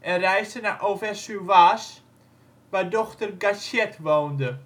en reisde naar Auvers-sur-Oise, waar dokter Gachet woonde.